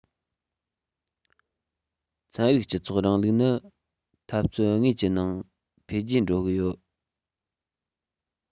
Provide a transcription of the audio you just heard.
ཚན རིག སྤྱི ཚོགས རིང ལུགས ནི འཐབ རྩོད དངོས ཀྱི ནང འཕེལ རྒྱས འགྲོ གི ཡོད